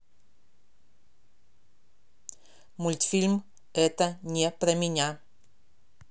мультфильм это не про меня